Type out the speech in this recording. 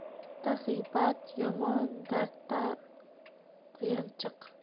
gapda g'iybat yomon dardda quyanchiq